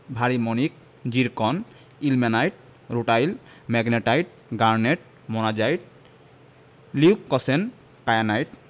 ভারি মণিক zircon ilmenite rutile magnetite garnet monazite leucoxene kyanite